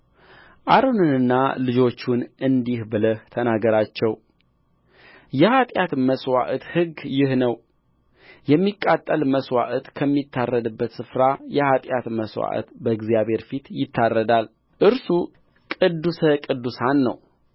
አሮንንና ልጆቹን እንዲህ ብለህ ተናገራቸው የኃጢአት መሥዋዕት ሕግ ይህ ነው የሚቃጠል መሥዋዕት በሚታረድበት ስፍራ የኃጢአቱ መሥዋዕት በእግዚአብሔር ፊት ይታረዳል እርሱ ቅዱስ ቅዱሳን ነው